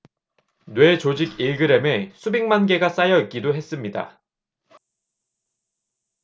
뇌 조직 일 그램에 수백만 개가 쌓여 있기도 했습니다